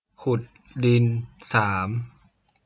ขุดดินสาม